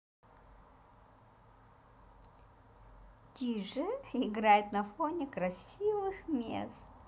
dj играет на фоне красивых мест